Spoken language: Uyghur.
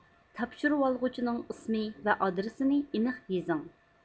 تاپشۇرۇۋالغۇچىنىڭ ئىسمى ۋە ئادرېسىنى ئېنىق يېزىڭ